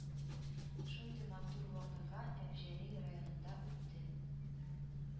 Шундый матур вакыйга Әбҗәлил районында үтте